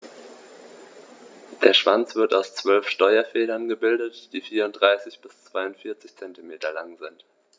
Der Schwanz wird aus 12 Steuerfedern gebildet, die 34 bis 42 cm lang sind.